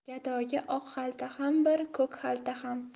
gadoga oq xalta ham bir ko'k xalta ham